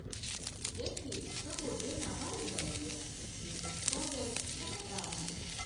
“Yace, “Saboda yana bani dariya,” Mr. Scovell ta faɗa mun.